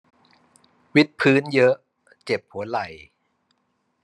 วิดพื้นเยอะเจ็บหัวไหล่